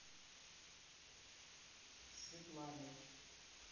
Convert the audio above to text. светланой